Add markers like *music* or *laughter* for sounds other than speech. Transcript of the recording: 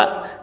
*hesitation*